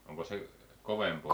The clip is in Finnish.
onko se kovempaa